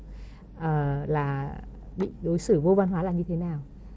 ờ là bị đối xử vô văn hóa là như thế nào